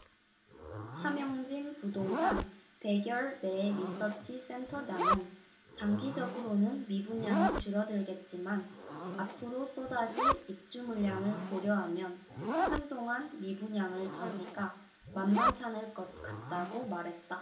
함영진 부동산 백 열 네 리서치센터장은 장기적으로는 미분양이 줄어들겠지만 앞으로 쏟아질 입주물량을 고려하면 한동안 미분양을 털기가 만만찮을 것 같다고 말했다